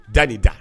Dali da